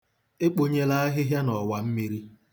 Ekponyela ahịhịa n'ọwammiri.